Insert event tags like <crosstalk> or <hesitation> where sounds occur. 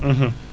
<hesitation> <hesitation>